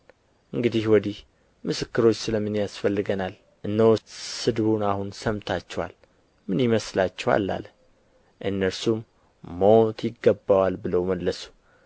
እንግዲህ ወዲህ ምስክሮች ስለ ምን ያስፈልገናል እነሆ ስድቡን አሁን ሰምታችኋል ምን ይመስላችኋል አለ እነርሱም ሞት ይገባዋል ብለው መለሱ